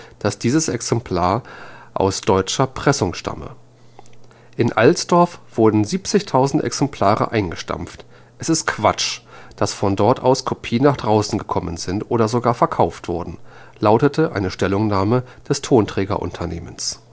dieses Exemplar aus deutscher Pressung stamme. „ In Alsdorf wurden 70.000 Exemplare eingestampft. Es ist Quatsch, daß von dort aus Kopien nach draußen gekommen sind oder sogar verkauft wurden “, lautete eine Stellungnahme des Tonträgerunternehmens